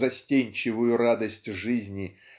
застенчивую радость жизни